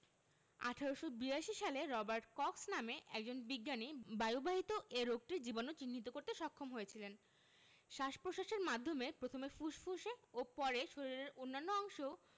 ১৮৮২ সালে Robert Cox নামে একজন বিজ্ঞানী বায়ুবাহিত এ রোগটির জীবাণু চিহ্নিত করতে সক্ষম হয়েছিলেন শ্বাস প্রশ্বাসের মাধ্যমে প্রথমে ফুসফুসে ও পরে শরীরের অন্য অংশ